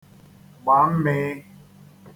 gbà mmịị